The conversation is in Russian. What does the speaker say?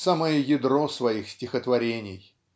самое ядро своих стихотворений.